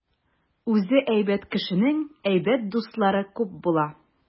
Үзе әйбәт кешенең әйбәт дуслары күп була.